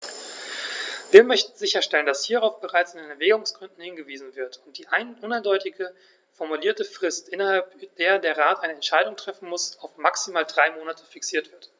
Wir möchten sicherstellen, dass hierauf bereits in den Erwägungsgründen hingewiesen wird und die uneindeutig formulierte Frist, innerhalb der der Rat eine Entscheidung treffen muss, auf maximal drei Monate fixiert wird.